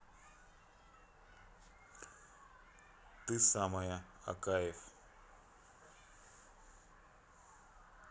ты самая акаев